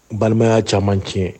Balimaya caman tiɲɛ